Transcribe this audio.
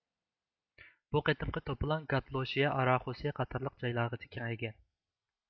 بۇ قېتىمقى توپىلاڭ گادلوشىيە ئاراخوسىيە قاتارلىق جايلارغىچە كېڭەيگەن